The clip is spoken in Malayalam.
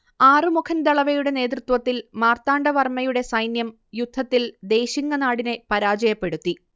ആറുമുഖൻ ദളവയുടെ നേതൃത്വത്തിൽ മാർത്താണ്ഡവർമ്മയുടെ സൈന്യം യുദ്ധത്തിൽ ദേശിങ്ങനാടിനെ പരാജയപ്പെടുത്തി